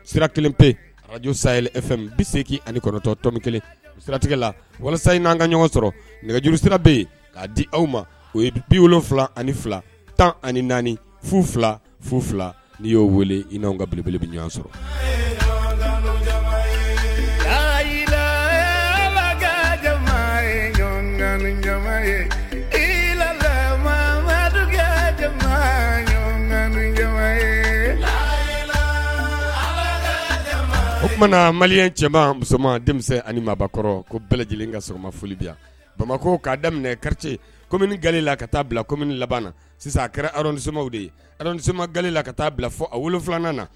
Sira kelen pe arajsay bi seeki ani kɔrɔtɔtɔn kelen siratigɛ la walasa in n'an ka ɲɔgɔn sɔrɔ nɛgɛjuru sira bɛ yen k'a di aw ma o ye bi wolofila ani fila tan ani naani fu fila fu fila nii y'o weele in nina kabele bɛ ɲɔgɔn sɔrɔ o tumaumana mali cɛ musoman denmisɛnnin ani mabɔkɔrɔ ko bɛɛ lajɛlen ka sɔrɔ ma foli bamakɔ k'a daminɛ kariti kɔmim gala ka taa bila kɔmim labanana sisan a kɛra kisɛmaw de yesemagali la ka taa bila fɔ a wolo filanan na